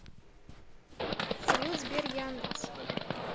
салют сбер яндекс